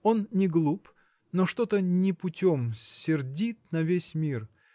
Он не глуп, но что-то не путем сердит на весь мир.